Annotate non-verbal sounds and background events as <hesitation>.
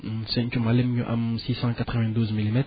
<hesitation> <hesitation> Santhiou Malem ñu am six cent quatre vingt douze milimètres